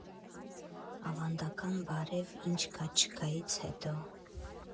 Ավանդական բարև֊ինչ֊կա֊չկայից հետո.